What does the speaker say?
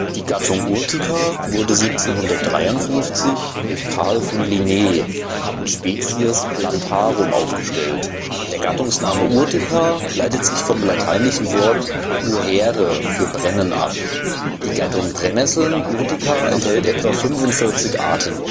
Die Gattung Urtica wurde 1753 durch Carl von Linné in Species Plantarum aufgestellt. Der Gattungsname Urtica leitet sich vom lateinischen Wort urere für brennen ab. Blühende Urtica atrovirens. Blühende Urtica cannabina. Blühende Urtica membranacea. Pillen-Brennnessel (Urtica pilulifera) Stängel, gegenständige, gestielte Laubblätter und Nebenblätter von Urtica thunbergiana. Ongaonga Urtica ferox. Die Gattung Brennnesseln (Urtica) enthält etwa 45 Arten